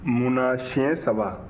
mun na siɲɛ saba